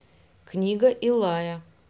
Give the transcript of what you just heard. книга илая